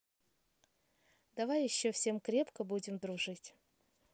давай еще всем крепко будем дружить